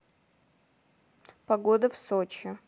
погода в сочи